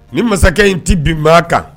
Nin masakɛ in tɛ bin maa kan.